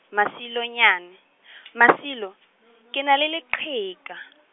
Masilonyane , Masilo , ke na le leqheka.